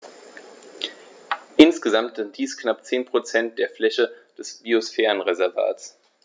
Insgesamt sind dies knapp 10 % der Fläche des Biosphärenreservates.